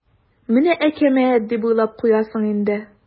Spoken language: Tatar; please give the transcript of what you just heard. "менә әкәмәт" дип уйлап куясың инде.